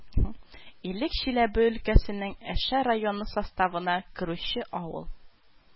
Илек Чиләбе өлкәсенең Әшә районы составына керүче авыл